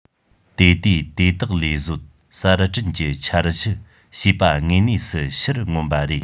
དེ དུས དེ དག ལས གཟོད གསར སྐྲུན གྱི འཆར གཞི ཞེས པ དངོས གནས སུ ཕྱིར མངོན པ རེད